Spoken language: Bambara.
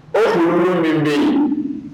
O sinanunu bɛ bɛ yen